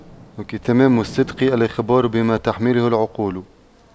تمام الصدق الإخبار بما تحمله العقول